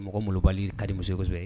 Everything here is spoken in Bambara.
Mɔgɔ molobali kadi muso ye kosɛbɛ